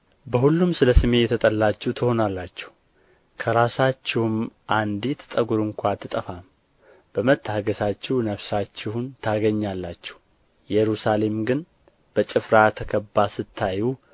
በሁሉም ስለ ስሜ የተጠላችሁ ትሆናላችሁ ከራሳችሁም አንዲት ጠጉር ስንኳ አትጠፋም በመታገሣችሁም ነፍሳችሁን ታገኛላችሁ ኢየሩሳሌም ግን በጭፍራ ተከባ ስታዩ